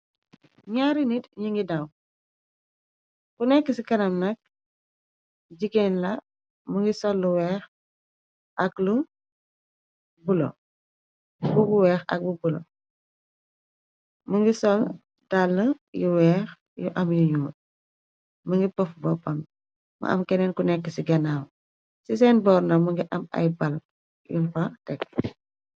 Ñaari nit ñi ngi daaw, ku nekk ci kanam nak jigéen la mu ngi sol lu weex ak bu bulo mu ngi sol tàll yu weex yu am yi yu, mun ngi pof boppam. Mu am keneen ku nekk ci ganaaw ci seen borr nak mu ngi am ay pal yun fa tek.